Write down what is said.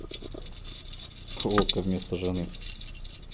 okko вместо жены